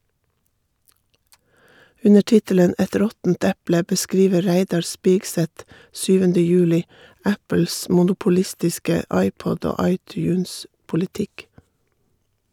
Under tittelen "Et råttent eple" beskriver Reidar Spigseth 7. juli Apples monopolistiske iPod- og iTunes-politikk.